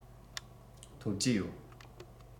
ཐོབ ཀྱི ཡོད